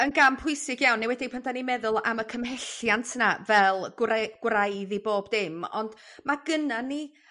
Yn gam pwysig iawn enwedig pan 'dan ni'n meddwl am y cymhelliant 'na fel gwrei- gwraidd i bob dim ond ma' gynna ni